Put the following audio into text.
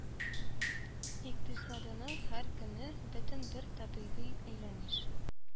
Икътисадының һәр көне бөтен бер табигый әйләнеш